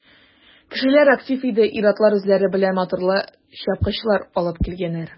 Кешеләр актив иде, ир-атлар үзләре белән моторлы чапкычлар алыпн килгәннәр.